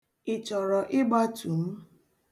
Ị chọrọ ịgbatu m?